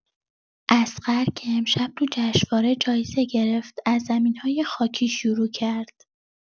اصغر که امشب تو جشنواره جایزه گرفت از زمین‌های خاکی شروع کرد.